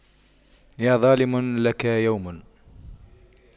يا ظالم لك يوم